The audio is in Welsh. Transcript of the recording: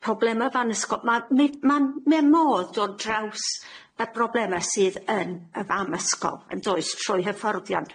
Y probleme fan ysgol ma' mi- ma'n mae modd dod dros y probleme sydd yn y fam ysgol yn does, trwy hyfforddiant.